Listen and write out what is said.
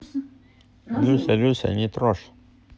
люся люся не трожь